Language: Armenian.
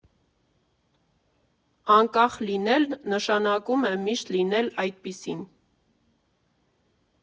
Անկախ լինել, նշանակում է մի՛շտ լինել այդպիսին։